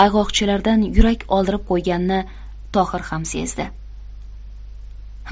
ayg'oqchilardan yurak oldirib qo'yganini tohir ham sezdi